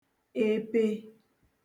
epe